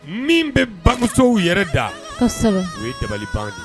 Min be bamusow yɛrɛ da kɔsɛbɛ o ye dabali ban de ye.